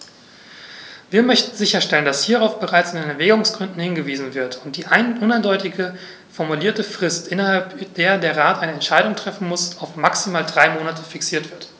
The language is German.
Wir möchten sicherstellen, dass hierauf bereits in den Erwägungsgründen hingewiesen wird und die uneindeutig formulierte Frist, innerhalb der der Rat eine Entscheidung treffen muss, auf maximal drei Monate fixiert wird.